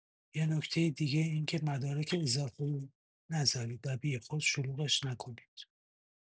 یه نکته دیگه اینکه مدارک اضافی نزارید و بیخود شلوغش نکنید